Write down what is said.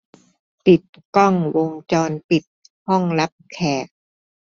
ปิดกล้องวงจรปิดห้องรับแขก